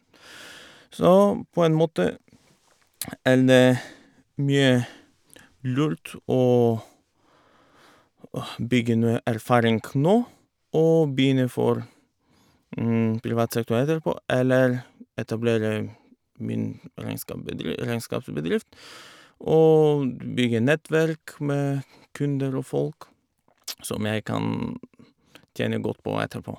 Så på en måte er det mye lurt å å bygge noe erfaring nå, og begynne for privat sektor etterpå, eller etablere min regnskapbedri regnskapsbedrift og d bygge nettverk med kunder og folk som jeg kan tjene godt på etterpå.